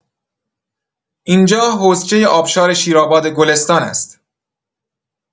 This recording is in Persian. اینجا حوضچه آبشار شیرآباد گلستان است.